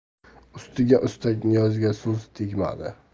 ustiga ustak niyozga so'z tegmadi